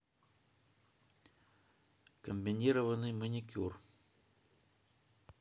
комбинированный маникюр